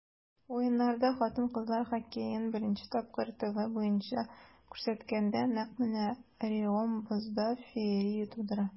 Уеннарда хатын-кызлар хоккеен беренче тапкыр ТВ буенча күрсәткәндә, нәкъ менә Реом бозда феерия тудыра.